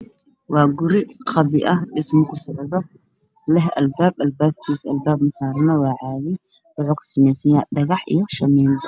Waa guriga gabyo wxuu ka sameysay yahy dhagax io shamiito